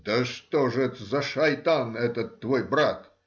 — Да что же это за шайтан, этот твой брат?